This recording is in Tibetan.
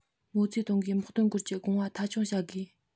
མའོ ཙེ ཏུང གི དམག དོན སྐོར གྱི དགོངས པ མཐའ འཁྱོངས བྱ དགོས